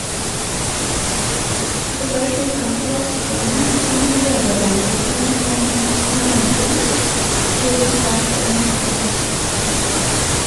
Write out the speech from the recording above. Vi bør slippe flosklene fra miljøbevegelsen om snauhugst, sier Kjær til Nationen.